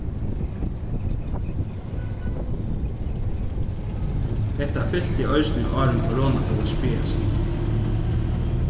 hetta fylti eisini áðrenn korona fór at spjaða seg